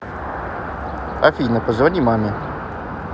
афина позвони маме